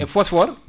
e phosphore